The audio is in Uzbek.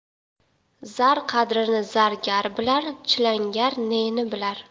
zar qadrini zargar bilar chilangar neni bilar